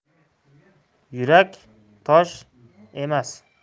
yurak tosh emas